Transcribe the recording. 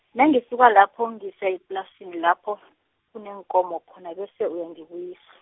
nangisuka lapho ungise ngeplasini lapha, kuneenkomo khona bese uyangibuyis- .